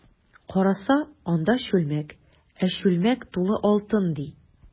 Караса, анда— чүлмәк, ә чүлмәк тулы алтын, ди.